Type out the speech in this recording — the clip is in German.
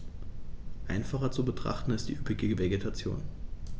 Einfacher zu betrachten ist die üppige Vegetation.